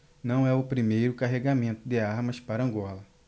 não é o primeiro carregamento de armas para angola